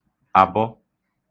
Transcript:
àbọ